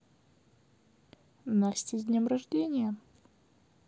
настя с днем рождения